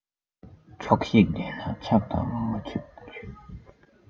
ཆོག ཤེས ལྡན ན ཕྱུག དང མ ཕྱུག མེད